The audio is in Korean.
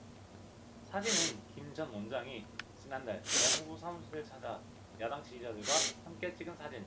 사진은 김 전 원장이 지난달 정 후보 사무실을 찾아 야당 지지자들과 함께 찍은 사진